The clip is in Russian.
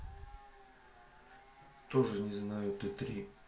тоже не знаю ты три